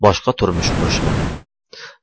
boshqa turmush qurishmadi